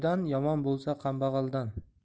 yomon bo'lsa kambag'aldan